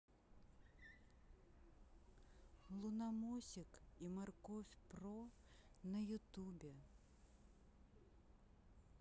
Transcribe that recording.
луномосик и морковь про на ютубе